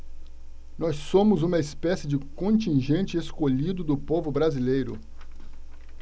nós somos uma espécie de contingente escolhido do povo brasileiro